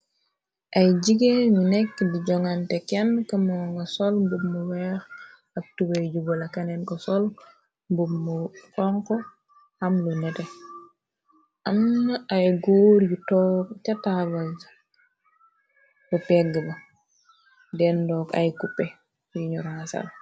Ay jigéen ñu nekk di joŋgante kenn kamo nga sol bu mu weex ab tuwey jubala kaneen ko sol bu mu xonx am lu nete amna ay góor yu ca tabal bu pegg ba dendok ay cupe yu noro nga sal.